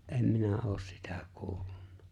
en minä ole sitä kuullut